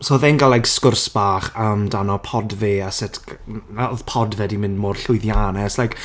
So oedd e'n gael like, sgwrs bach amdano pod fe a sut g- fel oedd pod fe 'di mynd mor llwydiannus like...